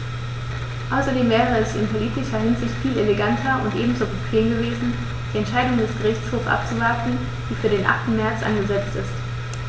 Außerdem wäre es in politischer Hinsicht viel eleganter und ebenso bequem gewesen, die Entscheidung des Gerichtshofs abzuwarten, die für den 8. März angesetzt ist.